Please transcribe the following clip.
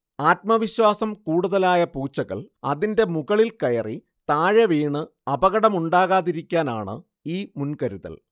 ആത്മവിശ്വാസം കൂടുതലായ പൂച്ചകൾ അതിന്റെ മുകളിൽ കയറി താഴെവീണ് അപകടം ഉണ്ടാകാതിരിക്കാനാണ് ഈ മുൻകരുതൽ